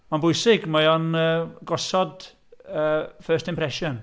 Mae o'n bwysig, mae o'n yy gosod yy first impression.